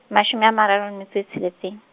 mashome a mararo a metso e tsheletseng.